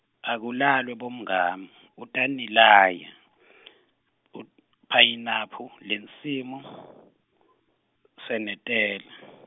Akulalwe bomngamu, utanilaya , phayinaphu lensimini , senetela .